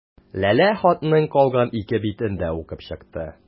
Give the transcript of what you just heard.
Ләлә хатның калган ике битен дә укып чыкты.